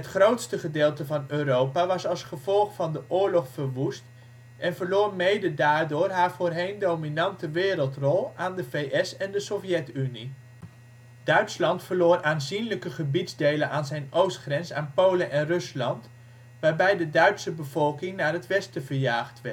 grootste gedeelte van Europa was als gevolg van de oorlog verwoest en verloor mede daardoor haar voorheen dominante wereldrol aan de VS en de Sovjet-Unie. Duitsland verloor aanzienlijke gebiedsdelen aan zijn oostgrens aan Polen en Rusland, waarbij de Duitse bevolking naar het westen verjaagd